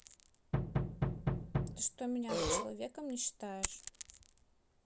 ты что меня за человеком не считаешь